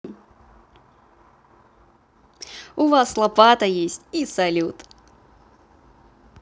у вас лопата есть и салют